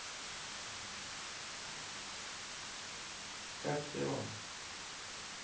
как перо